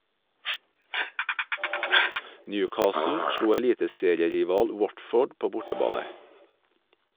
Newcastle slo eliteserierival Watford på bortebane.